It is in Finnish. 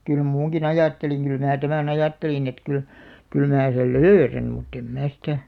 kyllä uinunkin ajattelin kyllä minä tämän ajattelin että kyllä kyllä minä sen löydän mutta en minä sitä